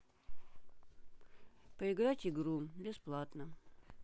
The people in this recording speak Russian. поиграть игру бесплатно